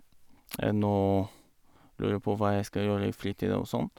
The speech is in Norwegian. Nå lurer jeg på hva jeg skal gjøre i fritida og sånt.